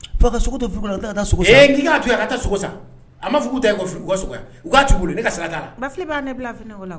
Papa ka sogo to frigo a bɛ tila, ka taa sogo san, ee n k'i ka to yen, a ka taa sogo san, u ma fɔ k'u ta y'u ka sogo ye wa? Ne ka sira t'a la, ba Fili bɛ ka ne bila fini ko la